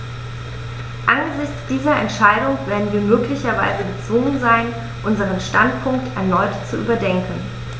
Angesichts dieser Entscheidung werden wir möglicherweise gezwungen sein, unseren Standpunkt erneut zu überdenken.